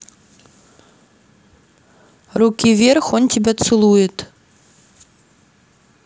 руки вверх он тебя целует